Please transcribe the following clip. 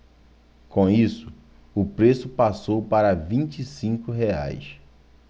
com isso o preço passou para vinte e cinco reais